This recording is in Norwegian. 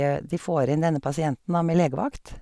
De får inn denne pasienten, da, med legevakt.